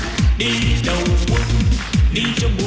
đi đầu quân đi trong